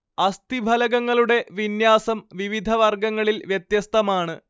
അസ്ഥിഫലകങ്ങളുടെ വിന്യാസം വിവിധ വർഗങ്ങളിൽ വ്യത്യസ്തമാണ്